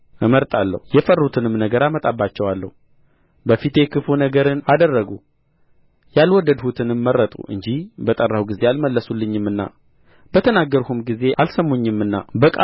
እመርጣለሁ የፈሩትንም ነገር አመጣባቸዋለሁ በፊቴ ክፉ ነገርን አደረጉ ያልወደድሁትንም መረጡ እንጂ በጠራሁ ጊዜ አልመለሱልኝምና በተናገርሁም ጊዜ አልሰሙኝምና